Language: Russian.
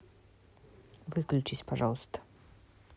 выключись пожалуйста